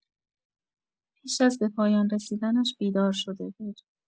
پیش از به پایان رسیدنش بیدار شده بود.